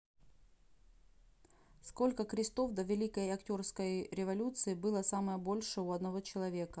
сколько крестов до великой актерской революции было самое больше у одного человека